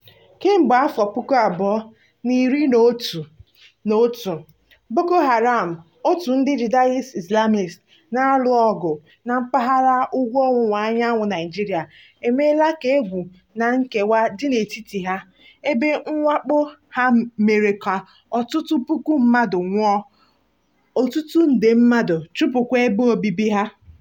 Kemgbe afọ 2011, Boko Haram, otu ndị jihadist Islamist na-alụ ọgụ na mpaghara ugwu ọwụwa anyanwụ Naịjirịa, emeela ka egwu na nkewa dị n'etiti ha, ebe mwakpo ha mere ka ọtụtụ puku mmadụ nwụọ, ọtụtụ nde mmadụ chụpụkwa ebe obibi ha.